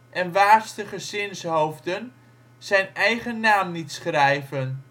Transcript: en Waardster gezinshoofden zijn eigen naam niet schrijven